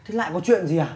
thế lại có chuyện gì à